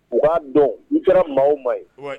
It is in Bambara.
U b'a dɔn u kɛra maaw ma ye